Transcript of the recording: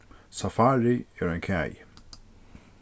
safari er ein kagi